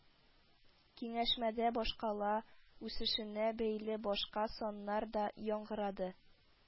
Киңәшмәдә башкала үсешенә бәйле башка саннар да яңгырады